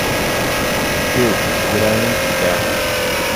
To, jira minti daya.